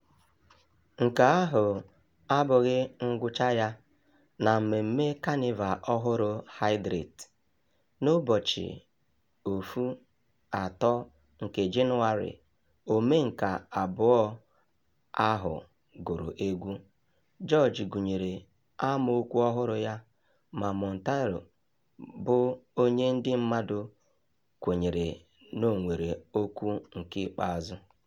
Nke ahụ abụghị ngwucha ya: na mmemme Kanịva ọhụrụ, "Hydrate", n'ụbọchị 13 nke Jenụwarị, omenka abụọ ahụ gụrụ egwu. George gụnyere amookwu ọhụrụ ya ma Montaro bụ onye ndị mmadụ kwenyere na o nwere okwu nke ikpeazụ: